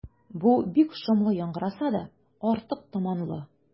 Бу бик шомлы яңгыраса да, артык томанлы.